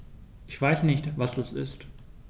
Ich weiß nicht, was das ist.